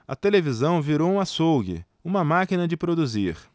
a televisão virou um açougue uma máquina de produzir